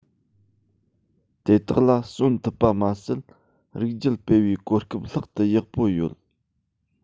དེ དག ལ གསོན ཐུབ པ མ ཟད རིགས རྒྱུད སྤེལ བའི གོ སྐབས ལྷག ཏུ ཡག པོ ཡོད